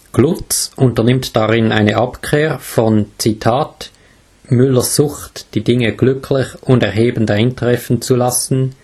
Glutz unternimmt darin eine Abkehr von „ Müllers Sucht, die Dinge glücklich und erhebend eintreffen zu lassen